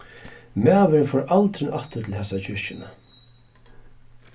maðurin fór aldrin aftur til hasa kirkjuna